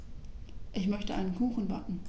Ich möchte einen Kuchen backen.